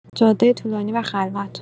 جاده طولانی و خلوت